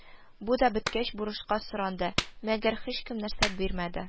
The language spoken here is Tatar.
Бу да беткәч, бурычка соранды, мәгәр һичкем нәрсә бирмәде